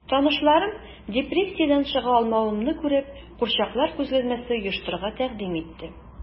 Танышларым, депрессиядән чыга алмавымны күреп, курчаклар күргәзмәсе оештырырга тәкъдим итте...